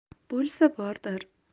bo'lsa bordir